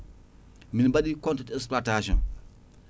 min mbaɗi compte d' exploitation